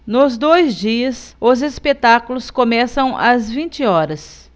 nos dois dias os espetáculos começam às vinte horas